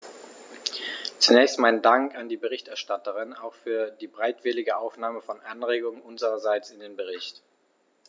Zunächst meinen Dank an die Berichterstatterin, auch für die bereitwillige Aufnahme von Anregungen unsererseits in den Bericht.